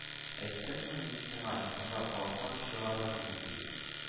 Әйттемме мин сиңа соңга калсаң чыгармыйм дип